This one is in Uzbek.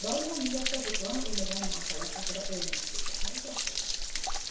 doimo miyasida g'ujg'on o'ynagan narsalar haqida o'ylamaslikka harakat qilardi